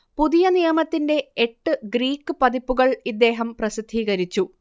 പുതിയ നിയമത്തിന്റെ എട്ട് ഗ്രീക്ക് പതിപ്പുകൾ ഇദ്ദേഹം പ്രസിദ്ധീകരിച്ചു